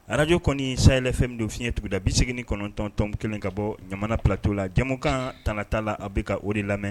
Radio kɔni Sahɛli FM don fiɲɛ tuguda 89.1 ka bɔ Ɲamana plateau la. Jɛmukan tana ta la a bi ka o de lamɛn.